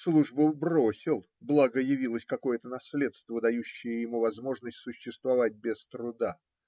Службу бросил, благо явилось какое-то наследство, дающее ему возможность существовать без труда.